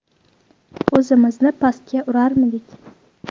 o'zimizni pastga urarmidik